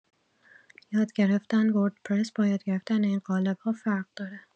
یاد گرفتن وردپرس با یاد گرفتن این قالب‌ها فرق داره.